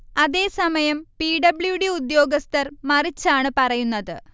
അതേ സമയം P. W. D ഉദ്യോഗസ്ഥർ മറിച്ചാണ് പറയുന്നത്